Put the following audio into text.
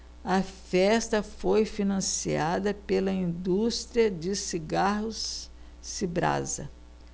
a festa foi financiada pela indústria de cigarros cibrasa